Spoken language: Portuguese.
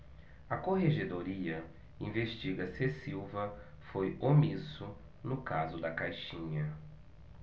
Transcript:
a corregedoria investiga se silva foi omisso no caso da caixinha